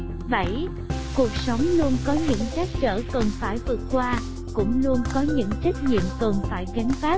cuộc sống luôn có những trắc trở cần phải vượt qua cũng luôn có những trách nhiệm cần phải gánh vác